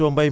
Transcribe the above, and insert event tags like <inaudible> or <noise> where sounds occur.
<hesitation> <hesitation>